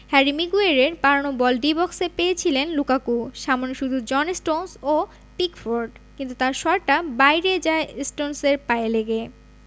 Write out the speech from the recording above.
Harry মিগুয়েরের বাড়ানো বল ডি বক্সে পেয়েছিলেন লুকাকু সামনে শুধু জন স্টোনস ও পিকফোর্ড কিন্তু তাঁর শটটা বাইরে যায় স্টোনসের পায়ে লেগে